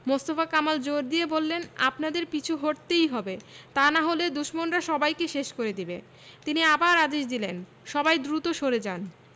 মোস্তফা কামাল জোর দিয়ে বললেন আপনাদের পিছু হটতেই হবে তা না হলে দুশমনরা সবাইকে শেষ করে দেবে তিনি আবার আদেশ দিলেন সবাই দ্রুত সরে যান